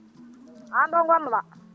an ɗo gonnoɗa